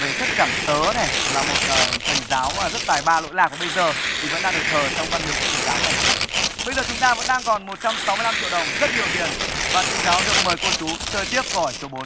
về thất trảm sớ này là một ờ thầy giáo rất tài ba lỗi lạc và bây giờ thì vẫn đang được thờ trong văn miếu quốc tử giám tại hà nội bây giờ chúng ta vẫn đang còn một trăm sáu mươi lăm triệu đồng rất nhiều tiền và chúng cháu được mời cô chú chơi tiếp câu hỏi số bốn